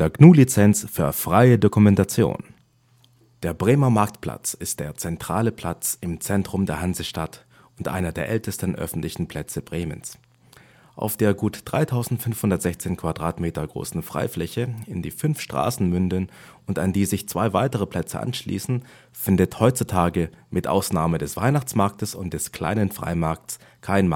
GNU Lizenz für freie Dokumentation. Der Bremer Marktplatz von der westlichen Ecke aus betrachtet mit dem Blick auf das Rathaus, den Bremer Dom sowie das Haus der Bürgerschaft Der Bremer Marktplatz ist der zentrale Platz im Zentrum der Hansestadt und einer der ältesten öffentlichen Plätze Bremens. Auf der gut 3.516 Quadratmeter großen Freifläche, in die fünf Straßen münden und an die sich zwei weitere Plätze anschließen, findet heutzutage, mit Ausnahme des Weihnachtsmarktes und des kleinen Freimarkts, kein